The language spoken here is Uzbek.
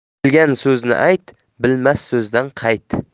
bilgan so'zni ayt bilmas so'zdan qayt